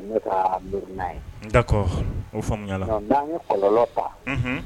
N da